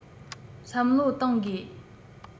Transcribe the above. བསམ བློ གཏོང དགོས